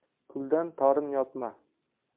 kuldan torn yopma